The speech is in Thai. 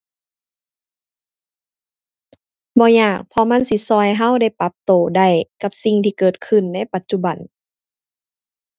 บ่ยาก เพราะมันสิช่วยช่วยได้ปรับช่วยได้กับสิ่งที่เกิดขึ้นในปัจจุบัน